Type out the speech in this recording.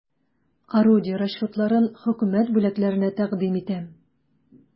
Орудие расчетларын хөкүмәт бүләкләренә тәкъдим итәм.